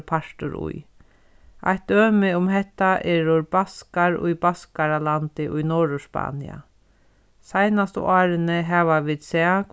partur í eitt dømi um hetta baskar í baskaralandi í norðurspania seinastu árini hava vit sæð